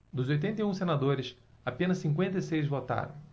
dos oitenta e um senadores apenas cinquenta e seis votaram